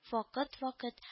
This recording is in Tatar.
Вакыт-вакыт